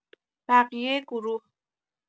بقیه گروه